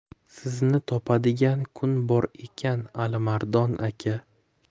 sizni topadigan kun bor ekan alimardon aka